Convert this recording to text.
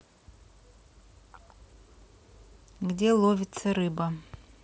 где ловится рыба